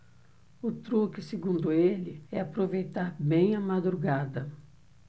o truque segundo ele é aproveitar bem a madrugada